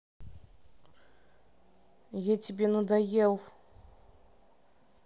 я тебе надоел